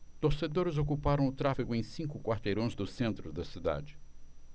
torcedores ocuparam o tráfego em cinco quarteirões do centro da cidade